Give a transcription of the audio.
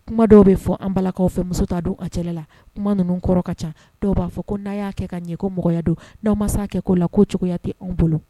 Kuma dɔw bɛ fɔ an balakaw fɛ muso taa don an cɛla la kuma ninnu kɔrɔ ka ca dɔw b'a fɔ ko' y'a kɛ ka ɲɛkomɔgɔya don dɔw maa kɛ' la ko cogoya tɛ an bolo